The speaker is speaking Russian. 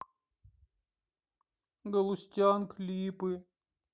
галустян клипы